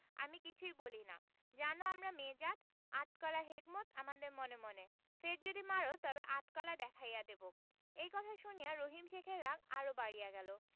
আমি কিছুই বলি না জান আমরা মেয়ে জাত আট কলা হেকমত আমাদের মনে মনে ফের যদি মার তবে আট কলা দেখাইয়া দিব এই কথা শুনিয়া রহিম শেখের রাগ আরও বাড়িয়া গেল